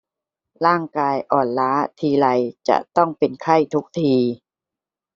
ร่างกายอ่อนล้าทีไรจะต้องเป็นไข้ทุกที